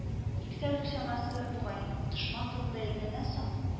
Ике тәүлек чамасы бугай, дошман тылында йөргәннән соң